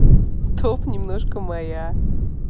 топ немножко моя